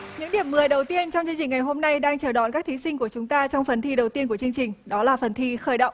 những điểm mười đầu tiên trong chương trình ngày hôm nay đang chờ đón các thí sinh của chúng ta trong phần thi đầu tiên của chương trình đó là phần thi khởi động